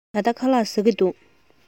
ད ལྟ ཁ ལག ཟ གི འདུག